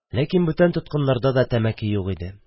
Ләкин бүтән тоткыннарда да тәмәке юк иде.